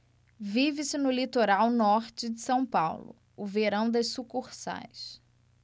vive-se no litoral norte de são paulo o verão das sucursais